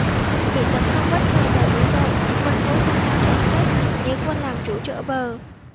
bị tấn công bất ngờ và dữ dội quân khố xanh tháo chạy hết nghĩa quân làm chủ chợ bờ